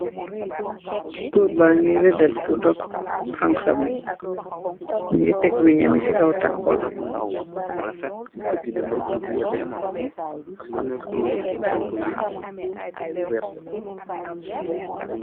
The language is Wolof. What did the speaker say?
tóurba ngi reddati bu dokk xanxa bi ngi tegg wenyami ci kaw taabol bi